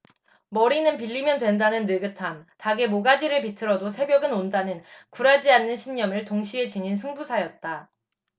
머리는 빌리면 된다는 느긋함 닭의 모가지를 비틀어도 새벽은 온다는 굴하지 않는 신념을 동시에 지닌 승부사였다